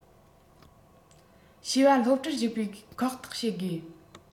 བྱིས པ སློབ གྲྭར ཞུགས པའི ཁག ཐེག བྱེད དགོས